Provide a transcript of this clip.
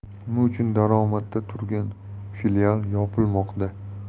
nima uchun daromadda turgan filial yopilmoqda